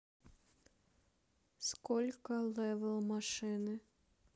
сколько левел машины